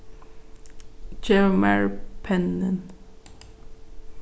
gev mær pennin